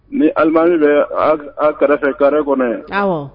Ni alimami bɛ a' kɛrɛfɛ carré kɔnɔ yen, awɔ